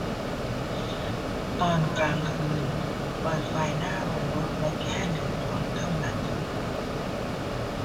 ตอนกลางคืนเปิดไฟหน้าโรงรถไว้แค่หนึ่งดวงเท่านั้น